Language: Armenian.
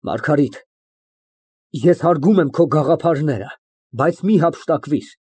Մարգարիտ, ես հարգում եմ քո գաղափարները, բայց մի հափշտակվիր։